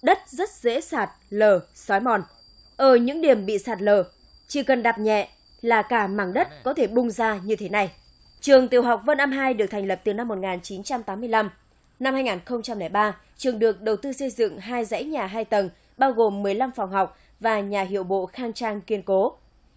đất rất dễ sạt lở xói mòn ở những điểm bị sạt lở chỉ cần đạp nhẹ là cả mảng đất có thể bung ra như thế này trường tiểu học vân am hai được thành lập từ năm một nghìn chín trăm tám mươi lăm năm hai nghìn không trăm lẻ ba trường được đầu tư xây dựng hai dãy nhà hai tầng bao gồm mười lăm phòng học và nhà hiệu bộ khang trang kiên cố